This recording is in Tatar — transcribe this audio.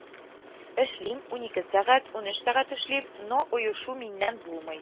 Эшлим, унике сәгать, унөч сәгать эшлим, но оешу миннән булмый